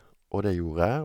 Og det gjorde jeg.